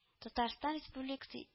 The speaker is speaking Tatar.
Татарстан Республикасы